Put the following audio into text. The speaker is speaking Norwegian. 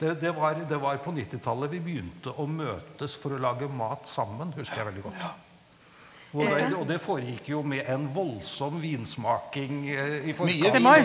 det det var det var på nittitallet vi begynte å møtes for å lage mat sammen husker jeg veldig godt, og det foregikk jo med en voldsom vinsmaking i forkant.